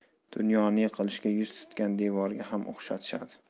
dunyoni yiqilishga yuz tutgan devorga ham o'xshatishadi